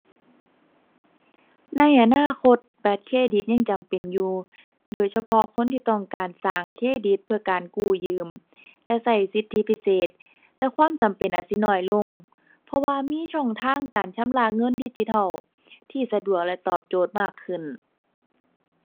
ในอนาคตบัตรเครดิตยังจำเป็นอยู่ โดยเฉพาะคนที่ต้องการสร้างเครดิตเพื่อการกู้ยืมและใช้สิทธิพิเศษ แต่ความจำเป็นอาจสิน้อยลง เพราะว่ามีช่องทางการชำระเงินดิจิทัลที่สะดวกและตอบโจทย์มากขึ้น